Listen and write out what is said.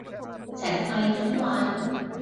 ฉันไอทั้งวัน